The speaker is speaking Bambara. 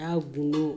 a bundo